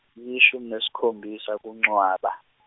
yishumi nesikhombisa kuNcwaba.